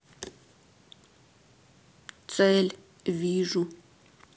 цель вижу